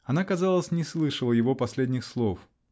Она, казалось, не слышала его последних слов.